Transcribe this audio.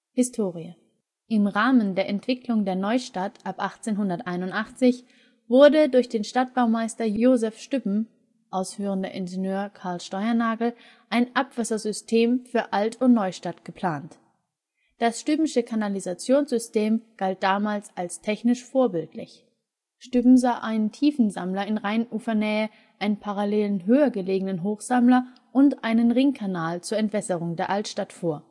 Im Rahmen der Entwicklung der Neustadt ab 1881 wurde durch den Stadtbaumeister Josef Stübben (ausführender Ingenieur: Carl Steuernagel) ein Abwassersystem für Alt - und Neustadt geplant. Das Stübben’ sche Kanalisationssystem galt damals als technisch vorbildlich. Stübben sah einen Tiefsammler in Rheinufernähe, einen parallelen höhergelegenen Hochsammler und einen Ringkanal zur Entwässerung der Altstadt vor